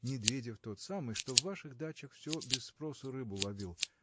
Медведев тот самый, что в ваших дачах все без спросу рыбу ловил